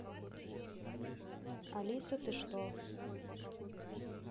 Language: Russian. алиса ты что